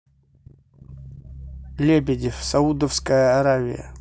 лебедев саудовская аравия